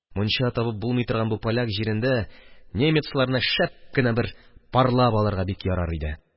Мунча табып булмый торган бу поляк җирендә немецларны шәп кенә бер парлап алырга бик ярар иде.